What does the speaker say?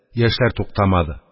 Яшьләр туктамады